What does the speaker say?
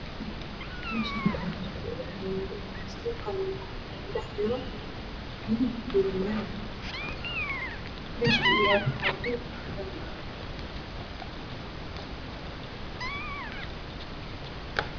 Meeshaani waa jiko waxaa yaalo qalin ah waxaa ku dhex jiro hilib gaduudan meesha uu yaalana waa meel cadaan